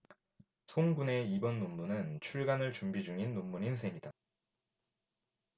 송 군의 이번 논문은 출간을 준비 중인 논문인 셈이다